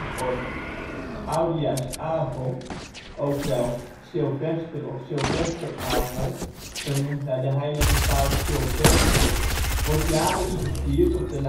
of Oudejaarsdag (ook wel: Silvester of Silvesteravond naar de heilige paus Silvester) wordt jaarlijks gevierd op de